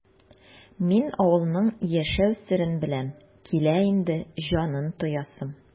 Мин авылның яшәү серен беләм, килә инде җанын тоясым!